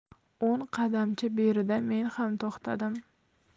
o'n qadamcha berida men ham to'xtadim